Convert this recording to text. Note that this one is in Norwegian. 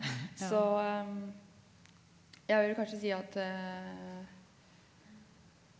så jeg vil kanskje si at .